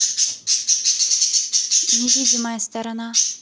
невидимая сторона